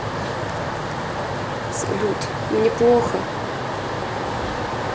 салют мне плохо